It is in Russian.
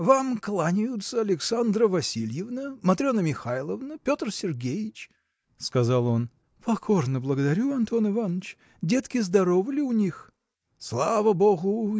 – Вам кланяются Александра Васильевна Матрена Михайловна Петр Сергеич – сказал он. – Покорно благодарю, Антон Иваныч! Детки здоровы ли у них? – Слава богу.